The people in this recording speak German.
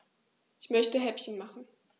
Ich möchte Häppchen machen.